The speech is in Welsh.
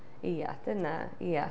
Ia, dyna, ia...